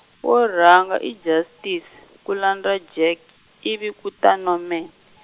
wo rhanga i Justice ku landza Jack ivi ku ta Norman.